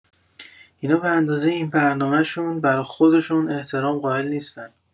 اینا به‌اندازه این برنامشون برا خودشون احترام قائل نیستن